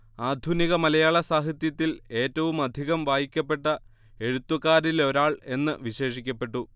ആധുനിക മലയാള സാഹിത്യത്തിൽ ഏറ്റവുമധികം വായിക്കപ്പെട്ട എഴുത്തുകാരിലൊരാൾ എന്ന് വിശേഷിക്കപ്പെട്ടു